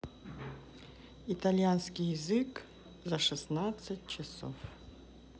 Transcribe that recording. итальянский язык за шестнадцать часов